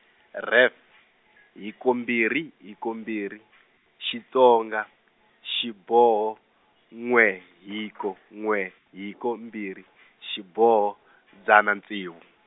ref , hiko mbirhi hiko mbirhi, Xitsonga, xiboho n'we hiko n'we hiko mbirhi xiboho dzana ntsevu.